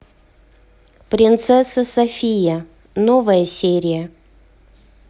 принцесса софия новая серия